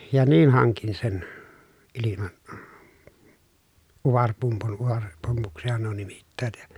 ja niin hankin sen - utarepumpun utarepumpuksihan nuo nimittävät ja